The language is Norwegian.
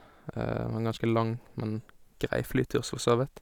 Det var en ganske lang, men grei flytur, s forsåvidt.